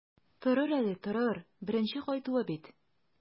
Торыр әле, торыр, беренче кайтуы бит.